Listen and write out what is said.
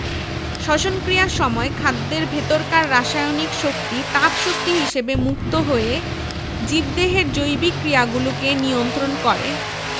শ্বসন ক্রিয়ার সময় খাদ্যের ভেতরকার রাসায়নিক শক্তি তাপ শক্তি হিসেবে মুক্ত হয়ে জীবদেহের জৈবিক ক্রিয়াগুলোকে নিয়ন্ত্রন করে